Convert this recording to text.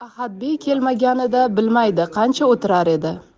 ahadbey kelmaganida bilmaydi qancha o'tirar edi